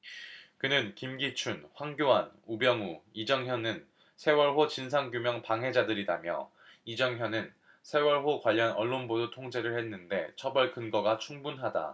그는 김기춘 황교안 우병우 이정현은 세월호 진상규명 방해자들이다며 이정현은 세월호 관련 언론보도 통제를 했는데 처벌 근거가 충분하다